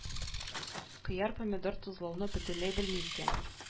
Кыяр-помидор тозлауны бөтенләй белми икән